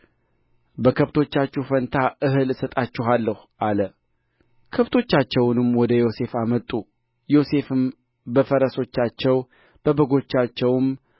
በከብቶቻችሁ ፋንታ እህል እሰጣችኋለሁ አለ ከብቶቻቸውንም ወደ ዮሴፍ አመጡ ዮሴፍም በፈረሶቻቸው በበጎቻቸውም